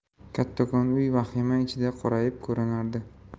kattakon uy vahima ichida qorayib ko'rinardi